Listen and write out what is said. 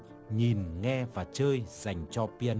nhìn nghe và chơi dành cho pi a nô